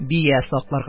Бия сакларга